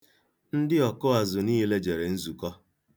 Ndị ọkụazụ niile jere nzukọ.